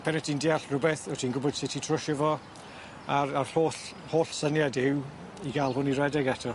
Pen wt ti'n deall rwbeth wt ti'n gwbod sut i trwsio fo a'r a'r holl holl syniad yw i ga'l hwn i rhedeg eto.